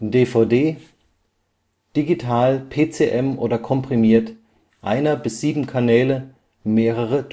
DVD: Digital, PCM oder komprimiert, 1 – 7 Kanäle, mehrere Tonspuren